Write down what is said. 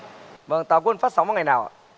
vầng táo quân phát sóng vào ngày nào